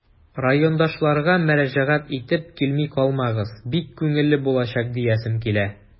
Райондашларга мөрәҗәгать итеп, килми калмагыз, бик күңелле булачак диясем килә.